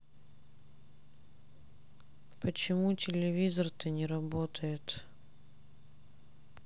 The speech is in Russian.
почему телевизор то не работает